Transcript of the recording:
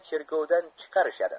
seni cherkovdan chiqarishadi